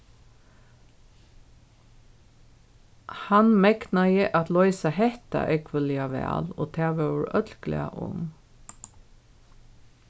hann megnaði at loysa hetta ógvuliga væl og tað vóru øll glað um